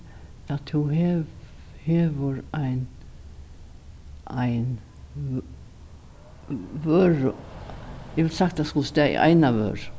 at tú hevur ein ein vøru eg vildi sagt tað skuldi staðið eina vøru